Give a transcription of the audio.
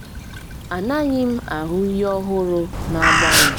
Anaghị m ahụ ihe ọhụrụ na-agbanwe.”